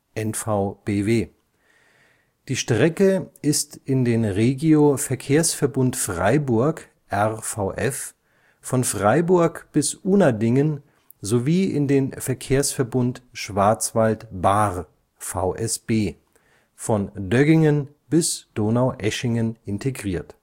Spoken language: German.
NVBW). Die Strecke ist in den Regio-Verkehrsverbund Freiburg (RVF) von Freiburg bis Unadingen sowie in den Verkehrsverbund Schwarzwald-Baar (VSB) von Döggingen bis Donaueschingen integriert